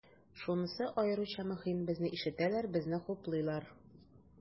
Шунысы аеруча мөһим, безне ишетәләр, безне хуплыйлар.